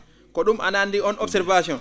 ko ?um ano anndi oon observation